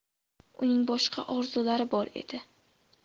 uning boshqa orzulari bor edi